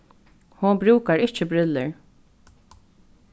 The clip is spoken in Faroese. hon brúkar ikki brillur